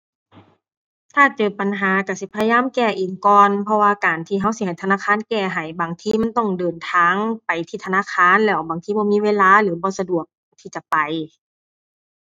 ถ้าเจอปัญหาก็สิพยายามแก้เองก่อน เพราะว่าการที่ก็สิให้ธนาคารแก้ให้บางทีมันต้องเดินทางไปที่ธนาคาร แล้วบางทีบ่มีเวลาหรือบ่สะดวกที่จะไป